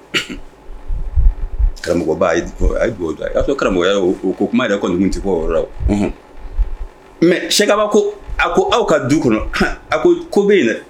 Karamɔgɔ b''o dɔn'a fɔ karamɔgɔya ko kuma yɛrɛ kolokun tɛ bɔ yɔrɔ mɛ sekaba ko a ko aw ka du kɔnɔ a ko ko bɛ yen dɛ